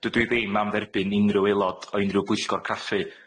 Dydw i ddim am dderbyn unrhyw aelod o unrhyw bwyllgor craffu